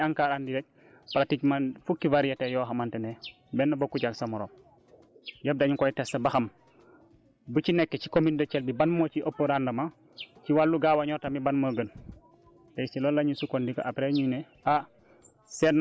donc loolu avantage la dèjà boo xoolee li ISRA andi ak li ANCAR andi rek pratiquement fukki variétés yoo xamante ne benn bokku ci ak sa morom yëpp dañu koys tester ba xam bu ci nekk ci commune de Thiel bi ban moo ci ëpp rendement ci wàllu gaaw a ñor tamit ban moo gën